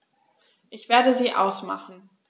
Ich werde sie ausmachen.